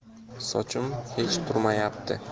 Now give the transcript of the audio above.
sochim hech turmayapti